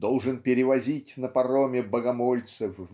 должен перевозить на пароме богомольцев